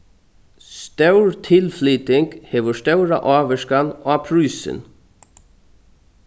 stór tilflyting hevur stóra ávirkan á prísin